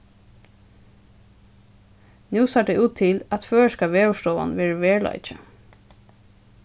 nú sær tað út til at føroyska veðurstovan verður veruleiki